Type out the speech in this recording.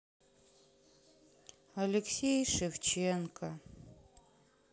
алексей шевченко